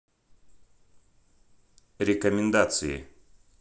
рекомендации